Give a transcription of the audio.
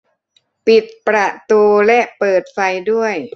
ปิดประตูและเปิดไฟด้วย